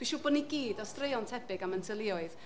Dwi'n siwr bod ni gyd â straeon tebyg am ein teuluoedd.